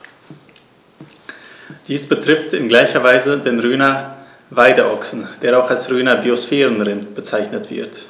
Dies betrifft in gleicher Weise den Rhöner Weideochsen, der auch als Rhöner Biosphärenrind bezeichnet wird.